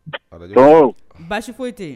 Baasi foyi tɛ